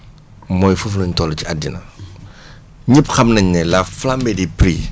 mooy foofu lañ toll ci àddina ñëpp xam nañ ne la flambée des prix